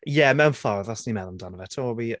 Ie, mewn ffordd, os ni'n meddwl amdano fe. Toby.